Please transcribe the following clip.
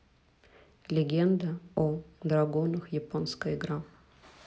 легенда о драгунах японская игра